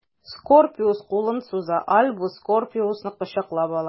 Скорпиус кулын суза, Альбус Скорпиусны кочаклап ала.